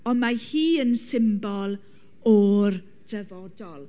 Ond mae hi yn symbol o'r dyfodol.